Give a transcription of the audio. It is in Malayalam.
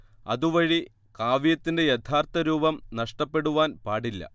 അതുവഴി കാവ്യത്തിന്റെ യഥാർഥ രൂപം നഷ്ടപ്പെടുവാൻ പാടില്ല